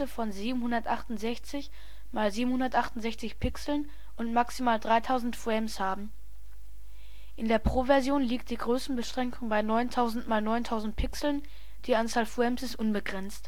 von 768 mal 768 Pixeln und maximal 3000 Frames haben. In der Pro-Version liegt die Größen-Beschränkung bei 9000 mal 9000 Pixeln, die Anzahl Frames ist unbegrenzt